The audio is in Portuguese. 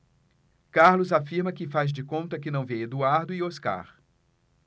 carlos afirma que faz de conta que não vê eduardo e oscar